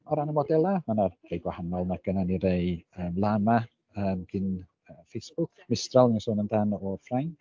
O ran y modelau, ma' na rai gwahanol, ma' gynno ni rai Llama yym gan yy Facebook, Mistral o'n i'n sôn amdan o Ffrainc.